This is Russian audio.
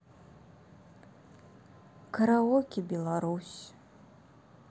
караоке беларусь